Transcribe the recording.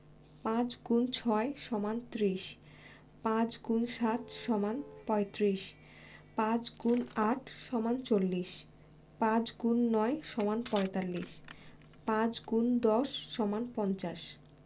৫x ৬ = ৩০ ৫× ৭ = ৩৫ ৫× ৮ = ৪০ ৫x ৯ = ৪৫ ৫×১০ = ৫০